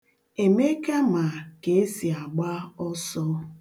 Emeka ma ka esi agba ọso.̣